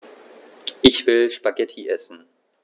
Ich will Spaghetti essen.